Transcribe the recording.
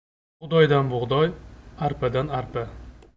bug'doydan bug'doy arpadan arpa